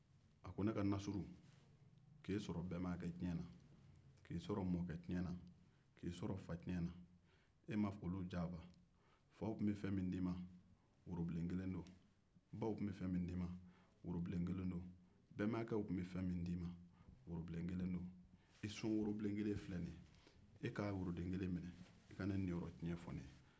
a ko ne ka nasuru k'a sɔrɔ bɛnbakɛcɛn na k'i sɔrɔ mɔkɛcɛn na k'i sɔrɔ facɛn na bɛnbakɛw tun bɛ fɛn min di i ma wobobilen kelen don mɔkɛw tun bɛ fɛn min di i ma worobilen kelen don faw tun bɛ fɛn min d'i ma worobilen kelen don i sonworobilen kelen filɛ nin ye